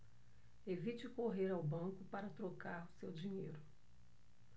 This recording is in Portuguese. evite correr ao banco para trocar o seu dinheiro